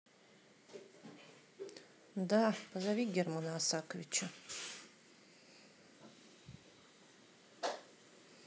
да позови германа оскаровича